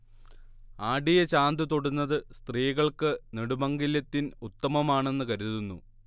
ആടിയ ചാന്ത് തൊടുന്നത് സ്ത്രീകൾക്ക് നെടുമംഗല്യത്തിൻ ഉത്തമമാണെന്ന് കരുതുന്നു